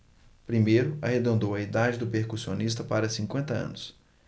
primeiro arredondou a idade do percussionista para cinquenta anos